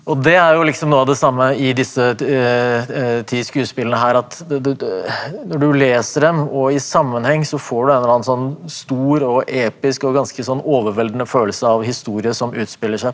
og det er jo liksom noe av det samme i disse ti skuespillene her at du når du leser dem og i sammenheng så får du en eller annen sånn stor og episk og ganske sånn overveldende følelse av historie som utspiller seg.